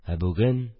Ә бүген...